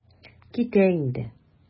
Китә инде.